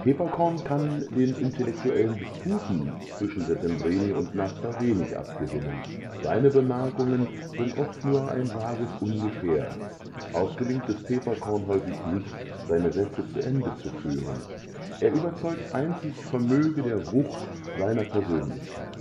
Peeperkorn kann den intellektuellen Disputen zwischen Settembrini und Naphta wenig abgewinnen. Seine Bemerkungen sind oft nur ein vages Ungefähr. Auch gelingt es Peeperkorn häufig nicht, seine Sätze zu Ende zu führen. Er überzeugt einzig vermöge der Wucht seiner Persönlichkeit.